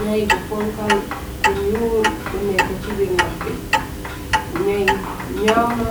ñay bu ponkal bu ñuul bu nekk ci biir ndox bi ñay ñawna